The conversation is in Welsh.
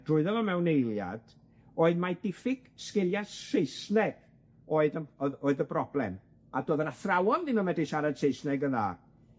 drwyddo fo mewn eiliad, oedd mai diffyg sgilia Saesneg oedd yym oedd oedd y broblem, a do'dd yr athrawon ddim yn medru siarad Saesneg yn dda.